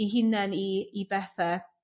'u hunen i i bethe